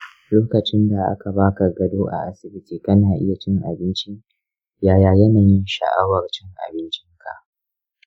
lokacinda aka baka gado a asibiti kana iya cin abinci, yaya yanayin sha'awar cin abincinka?